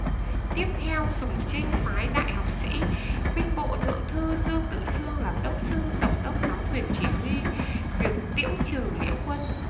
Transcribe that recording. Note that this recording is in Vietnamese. tiếp theo sùng trinh phái đại học sĩ binh bộ thượng thư dương tự xương làm đốc sư tổng đốc nắm quyền chỉ huy việc tiễu trừ nghĩa quân